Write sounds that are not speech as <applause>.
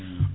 <hesitation> <hesitation>